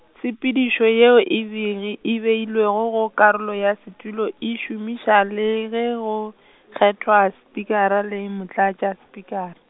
tshepedišo yeo e beiri-, e beilego go karolo ya setulo e šomišwa le ge go kgethwa Spikara le Motlatšaspikara.